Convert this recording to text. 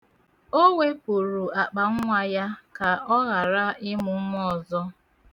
O wepụrụ akpannwa ya ka ọ ghara ịmụ nwa ọzọ.